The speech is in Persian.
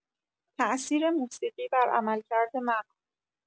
تاثیر موسیقی بر عملکرد مغز